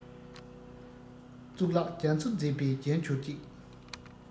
གཙུག ལག རྒྱ མཚོ མཛེས པའི རྒྱན གྱུར ཅིག